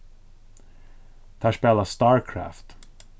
teir spæla starcraft